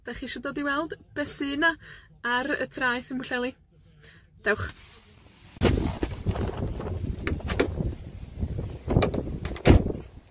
'Dach chi isio dod i weld be' sy 'na, ar y traeth ym Mhwllheli? Dewch.